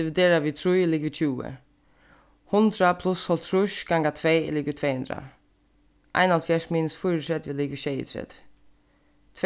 dividera við trý er ligvið tjúgu hundrað pluss hálvtrýss ganga tvey er ligvið tvey hundrað einoghálvfjerðs minus fýraogtretivu er ligvið sjeyogtretivu